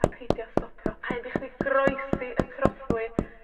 a peidio stopio. Rhaid i chdi groesi y trothwy